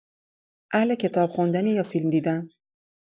اهل کتاب خوندنی یا فیلم دیدن؟